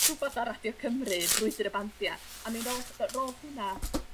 rwbath ar Radio Cymru brwydyr y bandia a mi noth- yy roth hwnna